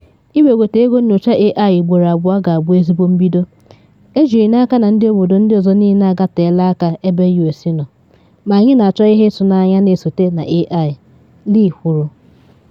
“Iwegote ego nnyocha AI ugboro abụọ ga-abụ ezigbo mbido, ejiri n’aka na ndị obodo ndị ọzọ niile agateela aka ebe U.S. nọ, ma anyị na achọ ihe ịtụnanya na esote na AI,” Lee kwuru.